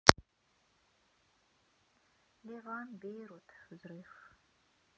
ливан бейрут взрыв